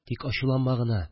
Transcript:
Тик ачуланма гына